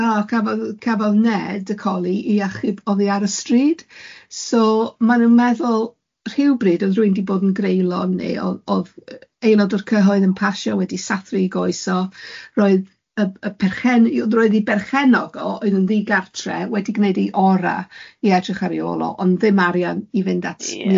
O, cafodd cafodd Ned y coli i achub oddi ar y stryd, so maen nhw'n meddwl rhywbryd oedd rywun wedi bod yn greulon, neu odd odd yy aenod o'r cyhoedd yn pasio wedi sathru ei goes o, roedd y y perchen- roedd i berchenog o oedd yn ddigartre wedi gwneud ei ora' i edrych ar i ôl o, ond ddim arian i fynd at... Ie.